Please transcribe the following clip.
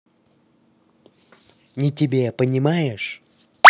не тебе понимаешь